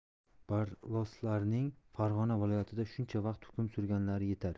barloslarning farg'ona viloyatida shuncha vaqt hukm surganlari yetar